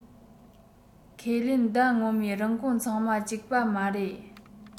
ཁས ལེན ཟླ སྔོན མའི རིན གོང ཚང མ གཅིག པ མ རེད